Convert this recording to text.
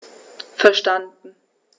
Verstanden.